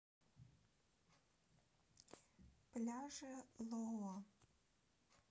пляжи лоо